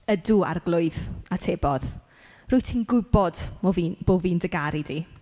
'Ydw, Arglwydd atebodd. Rwyt ti'n gwybod mo fi... bo' fi'n dy garu di.